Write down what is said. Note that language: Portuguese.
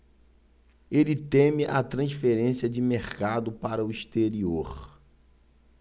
ele teme a transferência de mercado para o exterior